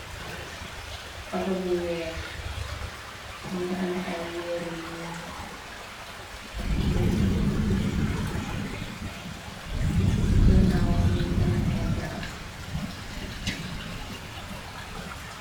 ato bu weex nu ame ay wéeri ñuul ak puna yu ñuul ci gënnawam ñi ame ay garab.